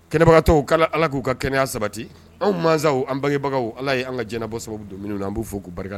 Kɛnɛbagatɔ kala ala k'u ka kɛnɛyaya sabati anw mɔnw an bangebagaw ala ye an ka jɛnɛbɔ sababu don min na an b' f fɔ'u barika